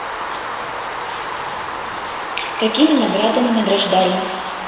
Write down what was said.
какими наградами награждали